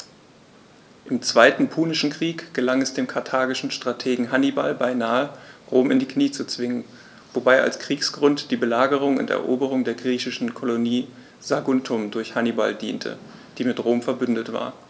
Im Zweiten Punischen Krieg gelang es dem karthagischen Strategen Hannibal beinahe, Rom in die Knie zu zwingen, wobei als Kriegsgrund die Belagerung und Eroberung der griechischen Kolonie Saguntum durch Hannibal diente, die mit Rom „verbündet“ war.